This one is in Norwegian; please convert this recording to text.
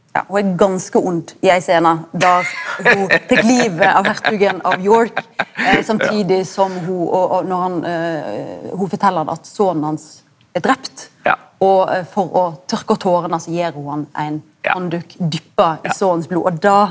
ho er ganske vond i ei scene der ho tek livet av hertugen av York samtidig som ho og og når han ho fortel han at sonen hans er drepen og for å tørka tårane så gjev ho han ein handduk dyppa i sonens blod og det.